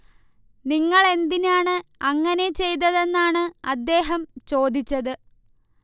നിങ്ങൾ എന്തിനാണ് അങ്ങനെ ചെയ്തതെന്നാണ് അദ്ദേഹം ചോദിച്ചത്